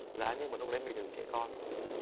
giá như mà lúc đấy mình đừng trẻ con không